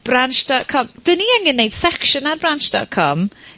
Branch dot com, 'dyn ni angen neud section ar Branch dot com.